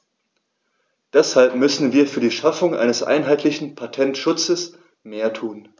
Deshalb müssen wir für die Schaffung eines einheitlichen Patentschutzes mehr tun.